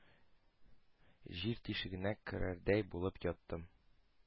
Җир тишегенә керердәй булып яттым...